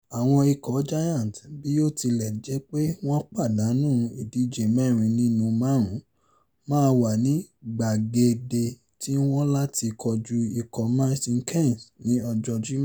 Àwọn ikọ̀ Giants, bí ó tilẹ̀ jẹ́ pé wọ́n pàdánù ìdíje mẹ́rin nínú márùn-ún, máa wà ní gbàgéde ti wọn láti kojú ikọ̀ Milton Keynes ní ọjọ́ Jímọ̀.